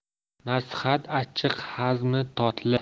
nasihat achchiq hazmi totli